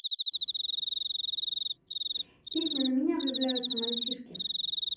песня на меня влюбляются мальчишки